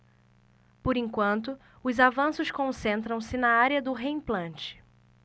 por enquanto os avanços concentram-se na área do reimplante